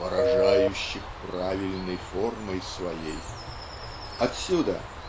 поражающих правильной формой своей". Отсюда